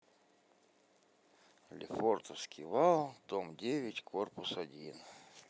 лефортовский вал дом девять корпус один